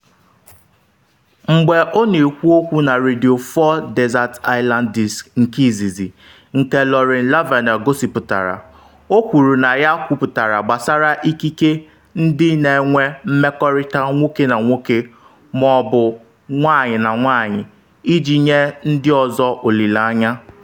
Mgbe ọ na-ekwu okwu na Radio 4 Desert Island Discs nke izizi, nke Lauren Laverne gosipụtara, o kwuru na ya kwuputara gbasara ikike ndị na-enwe mmekọrịta nwoke na nwoke ma ọ bụ nwanyị na nwanyị iji nye ndị ọzọ “olile anya.”